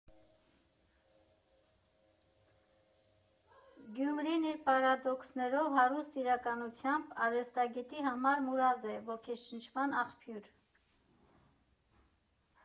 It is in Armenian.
Գյումրին իր պարադոքսներով, հարուստ իրականությամբ արվեստագետի համար «մուրազ» է, ոգեշնչման աղբյուր։